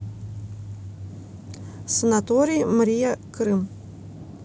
санаторий мрия крым